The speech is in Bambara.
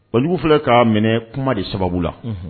Banjugu filɛ ka minɛ kuma de sababu la